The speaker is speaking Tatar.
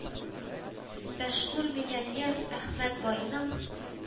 Мәшһүр миллионер Әхмәт байның